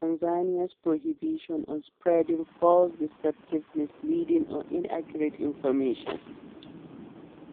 From Tanzania’s prohibition on spreading "false, deceptive, misleading or inaccurate" information